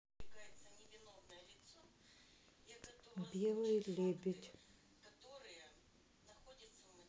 белый лебедь